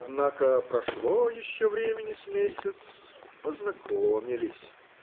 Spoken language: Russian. Однако прошло еще времени с месяц, познакомились.